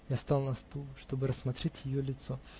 Я стал на стул, чтобы рассмотреть ее лицо